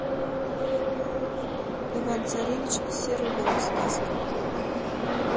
иван царевич и серый волк сказка